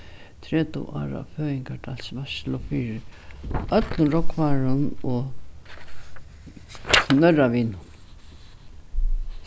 tretivu ára fyri øllum rógvarum og knørravinum